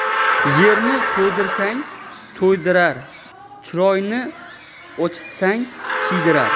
yerni to'ydirsang to'ydirar chiroyini ochsang kiydirar